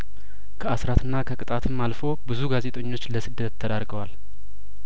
ከአስራትና ከቅጣትም አልፎ ብዙ ጋዜጠኞች ለስደት ተዳርገዋል